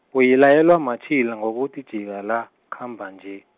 uyilayelwa matjhila ngokuthi jika la, khamba nje.